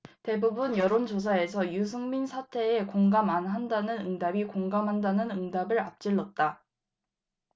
대부분의 여론조사에서 유승민 사퇴에 공감 안 한다는 응답이 공감한다는 응답을 앞질렀다